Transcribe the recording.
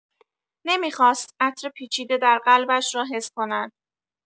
نمی‌خواست عطر پیچیده در قلبش را حس کند.